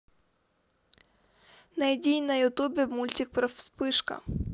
найди на ютубе мультик про вспыша